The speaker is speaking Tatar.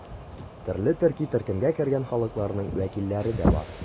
Төрле төрки төркемгә кергән халыкларның вәкилләре дә бар.